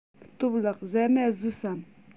སྟོབས ལགས ཟ མ ཟོས སམ